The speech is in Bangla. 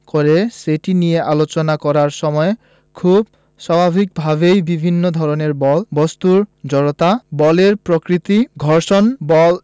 করে সেটি নিয়ে আলোচনা করার সময় খুব স্বাভাবিকভাবেই বিভিন্ন ধরনের বল বস্তুর জড়তা বলের প্রকৃতি ঘর্ষণ বল